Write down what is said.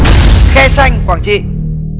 khe sanh quảng trị